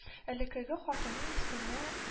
Элекеге хатыны исенә